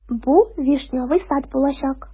Бу "Вишневый сад" булачак.